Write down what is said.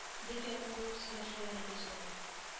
Бик якын булып сөйләшәләр иде җирле